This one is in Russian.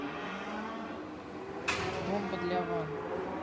бомба для ван